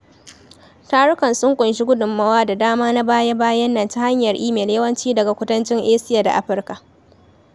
Tarukan sun ƙunshi gudunmawa da dama na baya bayan nan ta hanyar imel yawanci daga Kudancin Asia da Afirka.